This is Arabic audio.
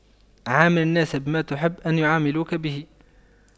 عامل الناس بما تحب أن يعاملوك به